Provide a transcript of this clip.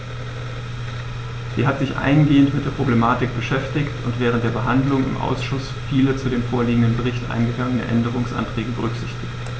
Sie hat sich eingehend mit der Problematik beschäftigt und während der Behandlung im Ausschuss viele zu dem vorliegenden Bericht eingegangene Änderungsanträge berücksichtigt.